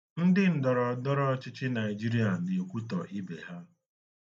Ndị ndọrọndọrọ ọchịchị Naijirịa na-ekwutọ ibe ha.